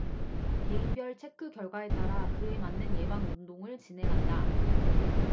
개인별 체크 결과에 따라 그에 맞는 예방 운동을 진행한다